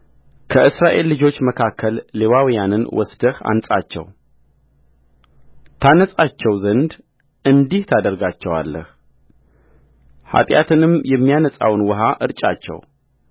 ከእስራኤል ልጆች መካከል ሌዋውያንን ወስደህ አንጻቸውታነጻቸው ዘንድ እንዲህ ታደርግላቸዋለህ ኃጢአትን የሚያነጻውን ውኃ እርጫቸው